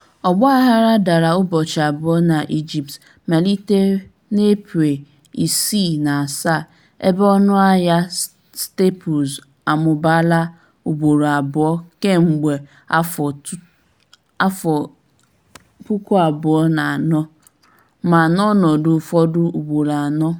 Ọgbaghara dara ụbọchị abụọ na Egypt, malite na Eprel 6 na 7, ebe ọnụahịa staples amụbaala ugboro abụọ kemgbe 2004 (ma n'ọnọdụ ụfọdụ ugboro anọ).